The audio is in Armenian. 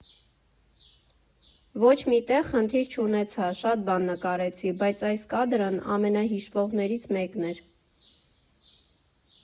Ոչ մի տեղ խնդիր չունեցա, շատ բան նկարեցի, բայց այս կադրն ամենահիշվողններից մեկն էր։